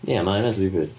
Ie mae hynna'n stiwpid.